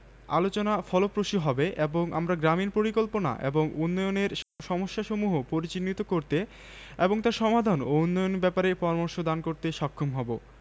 হাসবোনা লিসা বললো তুমি যে আমাকে একবারও গোসল না করিয়ে দুবারই মোনাকে গোসল করিয়ে এনেছো